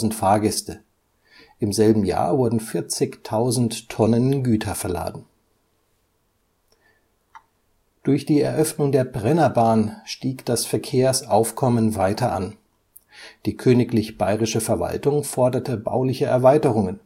Fahrgäste, im selben Jahr wurden 40.000 Tonnen Güter verladen. Durch die Eröffnung der Brennerbahn stieg das Verkehrsaufkommen weiter an, die königlich bayerische Verwaltung forderte bauliche Erweiterungen